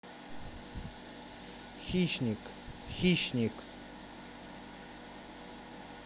хищник хищник